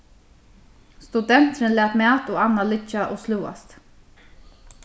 studenturin læt mat og annað liggja og sløðast